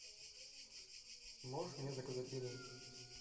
можешь мне заказать еды